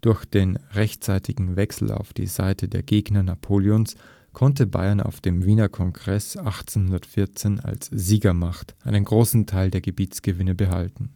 Durch den rechtzeitigen Wechsel auf die Seite der Gegner Napoleons konnte Bayern auf dem Wiener Kongress 1814 als Siegermacht einen großen Teil der Gebietsgewinne behalten